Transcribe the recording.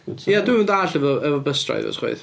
Ia dwi'm yn dallt efo, efo bus drivers chwaith.